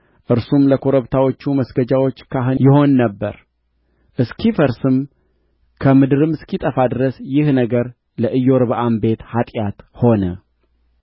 እርሱም ለኮርብታዎቹ መስገጃዎች ካህን ይሆን ነበር እስኪፈርስም ከምድርም እስኪጠፋ ድረስ ይህ ነገር ለኢዮርብዓም ቤት ኃጢአት ሆነ